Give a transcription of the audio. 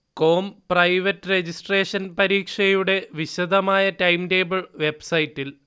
com private registration പരീക്ഷയുടെ വിശദമായ timetable വെബ്സൈറ്റിൽ